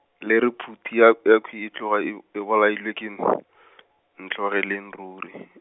le re phuti ya, yekhwi, e tloga e, e bolailwe ke , Ntlogeleng ruri?